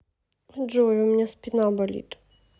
джой у меня спина болит